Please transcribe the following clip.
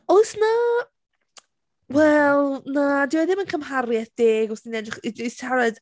Oes 'na...? Wel na, 'di e ddim yn cymhariaeth deg os dan ni'n edrych i i siarad...